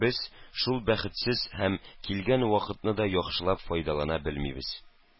Без шул бәхетсез һәм килгән вакытны да яхшылап файдалана белмибез.